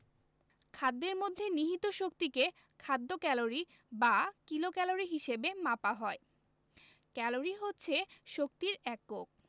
খাদ্যের মধ্যে নিহিত শক্তিকে খাদ্য ক্যালরি বা কিলোক্যালরি হিসেবে মাপা হয় ক্যালরি হচ্ছে শক্তির একক